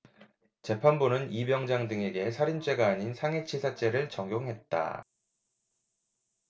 재판부는 이 병장 등에게 살인죄가 아닌 상해치사죄를 적용했다